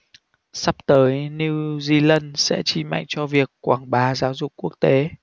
sắp tới new zealand sẽ chi mạnh cho việc quảng bá giáo dục quốc tế